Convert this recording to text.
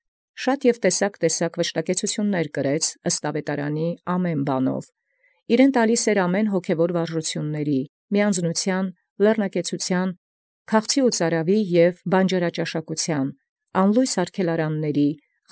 Բազում և ազգի ազգի վշտակեցութիւն ըստ աւետարանին կրէր ամենայն իրաց. ամենայն կրթութեամբ հոգևորացն զանձն տուեալ՝ միայնաւորութեան, լեռնակեցութեան, քաղցի և ծարաւոյ և բանջարաճաշակութեանց, արգելանաց անլուսից,